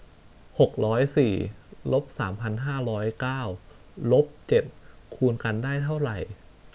หกร้อยสี่ลบสามพันห้าร้อยเก้าลบเจ็ดคูณกันได้เท่าไหร่